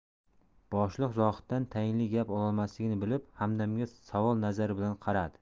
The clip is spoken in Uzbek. boshliq zohiddan tayinli gap ololmasligini bilib hamdamga savol nazari bilan qaradi